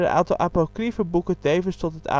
aantal apocriefe boeken tevens tot